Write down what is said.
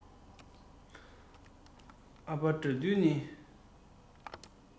ཨ ཕ དགྲ འདུལ ནི